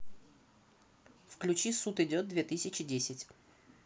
включи суд идет две тысячи десять